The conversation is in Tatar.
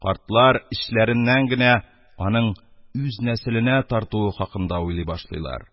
Картлар эчләреннән генә аның үз нәселенә тартуы хакында уйлый башлыйлар.